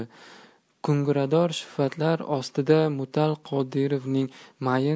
kungurador shifatlar ostida mutal qodirovning mayin